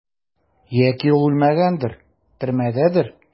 Яки ул үлмәгәндер, төрмәдәдер?